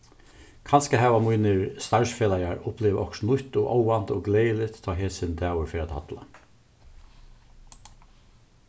kanska hava mínir starvsfelagar upplivað okkurt nýtt og óvæntað og gleðiligt tá hesin dagur fer at halla